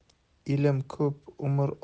ilm ko'p umr